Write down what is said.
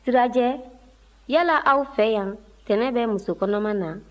sirajɛ yala aw fɛ yan tɛnɛ bɛ muso kɔnɔma na